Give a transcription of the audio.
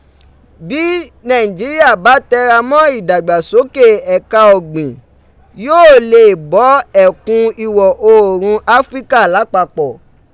Bí Nàìjíríà bá tẹra mọ́ ìdàgbàsókè ẹ̀ka ọ̀gbìn, yóò leè bọ́ ẹ̀kun ìwọ̀ oòrùn Áfíríkà lapapọ